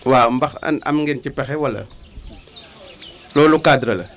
waaw ndax am am ngeen ci pexe wala loolu cadre la